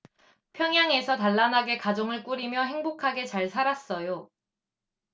평양에서 단란하게 가정을 꾸리며 행복하게 잘 살았어요